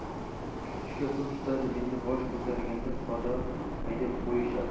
tutishga ku tutadi endi bosh ko'targanda poda haydab qo'yishadi